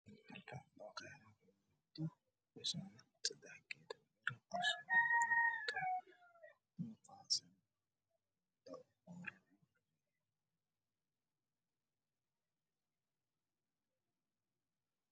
Waxaa imuuqdo muqdisho mall oo kuyaalan geedo cagaaran